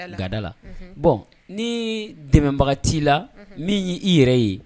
Gadala bɔn ni dɛmɛbaga t i la min ye i yɛrɛ ye